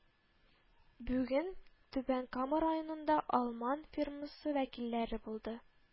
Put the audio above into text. Бүген Түбән Кама районында алман фирмасы вәкилләре булды